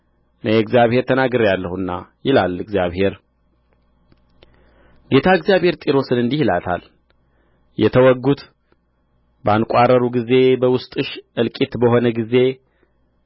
እኔ እግዚአብሔር ተናግሬአለሁና ይላል እግዚአብሔር ጌታ እግዚአብሔር ጢሮስን እንዲህ ይላታል የተወጉት ባንቋረሩ ጊዜ በውስጥሽ እልቂት በሆነ ጊዜ